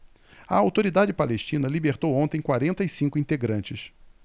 a autoridade palestina libertou ontem quarenta e cinco integrantes